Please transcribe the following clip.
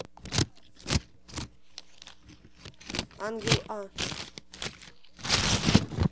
ангел а